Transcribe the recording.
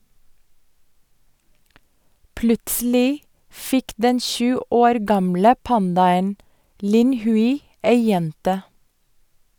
Plutselig fikk den sju år gamle pandaen Lin Hui ei jente.